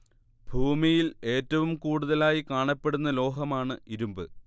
ഭൂമിയിൽ ഏറ്റവും കൂടുതലായി കാണപ്പെടുന്ന ലോഹമാണ് ഇരുമ്പ്